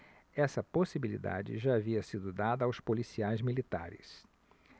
essa possibilidade já havia sido dada aos policiais militares